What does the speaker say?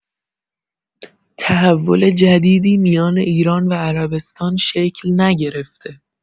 تحول جدیدی میان ایران و عربستان شکل نگرفته!